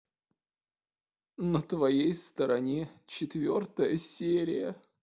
на твоей стороне четвертая серия